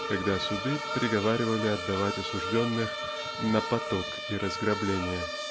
когда суды приговаривали отдавать осужденных "на поток и разграбление".